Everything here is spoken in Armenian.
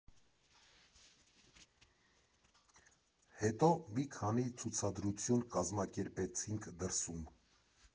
Հետո մի քանի ցուցադրություն կազմակերպեցինք դրսում։